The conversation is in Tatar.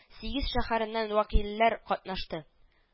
Сигез шәһәреннән вәкилләр катнашты